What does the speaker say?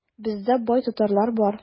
Бездә бай татарлар бар.